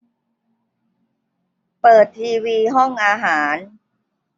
เปิดทีวีห้องอาหาร